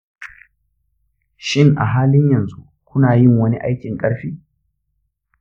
shin a halin yanzu kuna yin wani aikin ƙarfi?